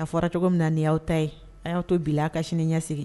A fɔra cogo min na ni y'aw ta ye. Aw y'a to bila, a ka sini ɲɛsigi.